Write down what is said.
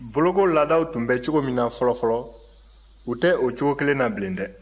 boloko laadaw tun bɛ cogo min na fɔlɔfɔlɔ u tɛ o cogo kelen na bilen dɛ